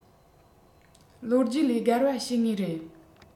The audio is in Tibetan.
ལོ རྒྱུས ལས རྒལ བ བྱེད ངེས རེད